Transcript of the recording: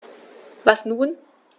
Was nun?